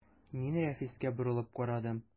Мин Рафиска борылып карадым.